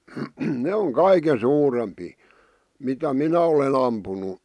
ne on kaikkein suurempia mitä minä olen ampunut